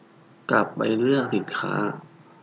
กลับไปเลือกสินค้า